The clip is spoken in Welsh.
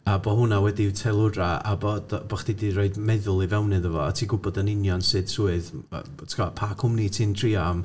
a bo' hwnna wedi'i teilwra a bod bo' chdi 'di rhoid meddwl i fewn iddo fo a ti'n gwbod yn union sut swydd bo- ti'n gwbod, pa cwmni ti'n trio am.